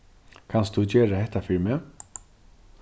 kanst tú gera hetta fyri meg